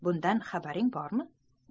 bundan xabaring bormi